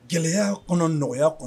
Gɛlɛya kɔnɔ, nɔgɔya kɔnɔ